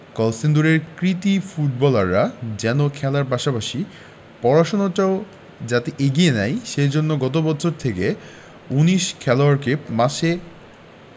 কলসিন্দুরের কৃতী ফুটবলাররা যেন খেলার পাশাপাশি পড়াশোনাটাও যাতে এগিয়ে নেয় সে জন্য গত বছর থেকে ১৯ খেলোয়াড়কে মাসে